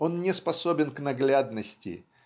он не способен к наглядности